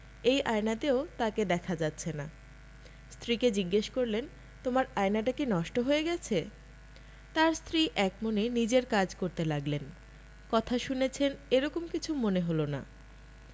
এই আয়নাতেও তাঁকে দেখা যাচ্ছে না স্ত্রীকে জিজ্ঞেস করলেন তোমার আয়নাটা কি নষ্ট হয়ে গেছে তাঁর স্ত্রী একমনে নিজের কাজ করতে লাগলেন কথা শুনেছেন এ রকম কিছু মনে হলো না